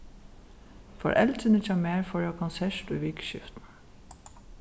foreldrini hjá mær fóru á konsert í vikuskiftinum